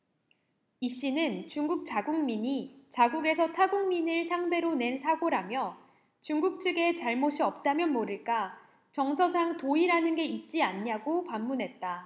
이씨는 중국 자국민이 자국에서 타국민을 상대로 낸 사고라며 중국 측의 잘못이 없다면 모를까 정서상 도의라는 게 있지 않냐고 반문했다